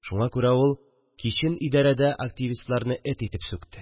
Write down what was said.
Шуңа күрә ул кичен идәрәдә активистларны эт итеп сүкте